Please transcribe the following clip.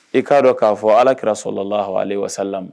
I k'a dɔn k'a fɔ ala kɛrara sɔrɔla la h aleale wasa lamɛn